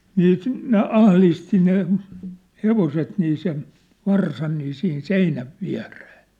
niin ne ahdisti ne hevoset niin sen varsan niin siihen seinän viereen